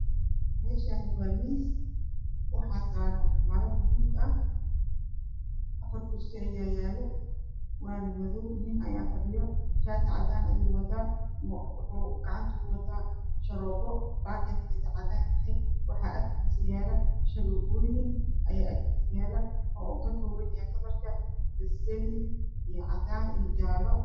Meshani waa miis waxa saran maro balugah Afarkursi ayaa yalo waanamadow nin ayaafadhiyo shati cadan ayuwata wuxu gacantakuwataa shorobo bakadkedu cadan yahay waxa Agtisayalo shoroboyin aya agtisayalo oayka kobanyahay kalarka beseli iyocadan iyo jale